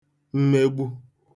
mmegbu